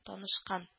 Танышкан